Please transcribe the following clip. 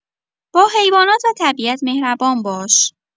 با حیوانات و طبیعت مهربان باش!